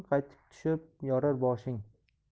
qaytib tushib yorar boshing